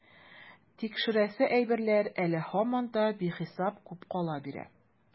Тикшерәсе әйберләр әле һаман да бихисап күп кала бирә.